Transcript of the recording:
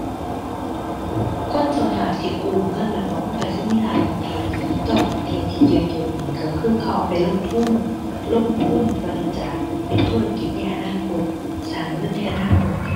คนส่วนมากที่กู้เงินแม่นบ่ มันก็สิมีหลายประเภท แต่ว่าประเภทที่เยอะเยอะนี่ก็คือเขาเอาไปลงทุน ลงทุนเพื่อที่จะเป็นธุรกิจในอนาคต สร้างเงินในอนาคต